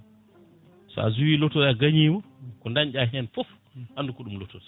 sa joue wi lottorie a gañima ko dañɗa hen foof andu ko ɗum lottorie